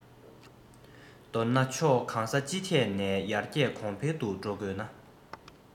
མདོར ན ཕྱོགས གང ས ཅི ཐད ནས ཡར རྒྱས གོང འཕེལ དུ འགྲོ དགོས ན